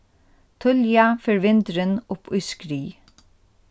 tíðliga fer vindurin upp í skrið